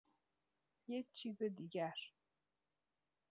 یک چیز دیگر!